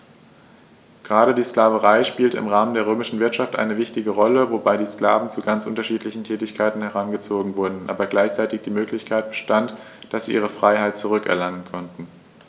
Gerade die Sklaverei spielte im Rahmen der römischen Wirtschaft eine wichtige Rolle, wobei die Sklaven zu ganz unterschiedlichen Tätigkeiten herangezogen wurden, aber gleichzeitig die Möglichkeit bestand, dass sie ihre Freiheit zurück erlangen konnten.